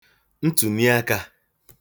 ntụniaka